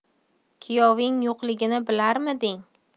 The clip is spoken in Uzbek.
kuyoving yo'qligini bilarmiding